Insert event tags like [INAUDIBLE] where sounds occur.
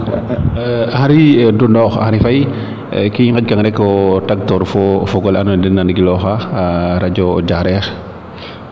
[HESITATION] Henry Ndoundokh Henry Faye ka i ngaƴ kang rek o taktoor fo o fogole ando naye den na nan gilloxa radio Diarekh